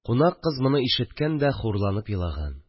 Кунак кыз моны ишеткән дә, хурланып елаган